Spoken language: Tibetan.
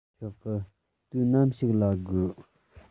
ཆོག གི དུས ནམ ཞིག ལ དགོས